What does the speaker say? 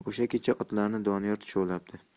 o'sha kecha otlarni doniyor tushovlabdi